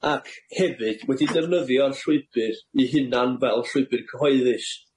ac hefyd wedi defnyddio'r llwybyr 'u hunan fel llwybyr cyhoeddus.